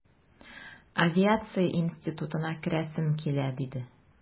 Авиация институтына керәсем килә, диде...